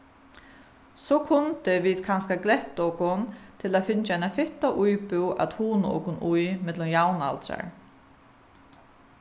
so kundu vit kanska glett okkum til at fingið eina fitta íbúð at hugna okkum í millum javnaldrar